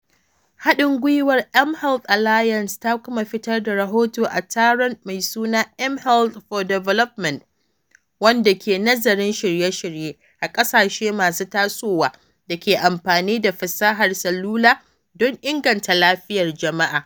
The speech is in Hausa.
Haɗin gwiwar mHealth Alliance ta kuma fitar da rahoto a taron mai suna mHealth for Development, wanda ke nazarin shirye-shirye a ƙasashe masu tasowa da ke amfani da fasahar salula don inganta lafiyar jama’a.